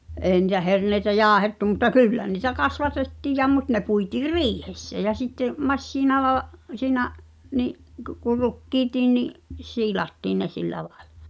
ei niitä herneitä jauhettu mutta kyllä niitä kasvatettiin ja mutta ne puitiin riihessä ja sitten masiinalla siinä niin kuin kuin rukiitkin niin siilattiin ne sillä lailla